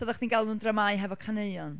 So oedda chdi'n galw nhw'n dramâu hefo caneuon.